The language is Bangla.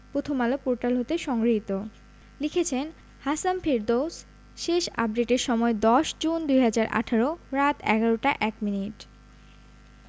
প্রথমআলো পোর্টাল হতে সংগৃহীত লিখেছেন হাসাম ফেরদৌস শেষ আপডেটের সময় ১০ জুন ২০১৮ রাত ১১টা ১ মিনিট